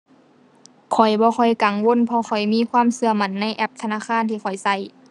ข้อยบ่ค่อยกังวล เพราะข้อยมีความเชื่อมั่นในแอปธนาคารที่ข้อยเชื่อ